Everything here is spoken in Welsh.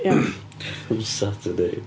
WSA Today.